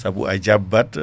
saabu a jabbat